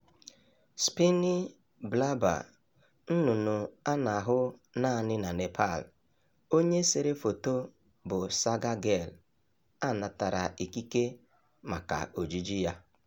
Spiny Blabber, nnụnnụ a na-ahụ naanị na Nepal. Onye sere foto bụ Sagar Girl. A natara ikike maka ojiji ya.